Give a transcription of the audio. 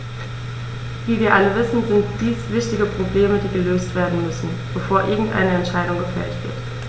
Wie wir alle wissen, sind dies wichtige Probleme, die gelöst werden müssen, bevor irgendeine Entscheidung gefällt wird.